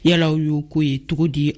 yala aw y'o ko ye cogo di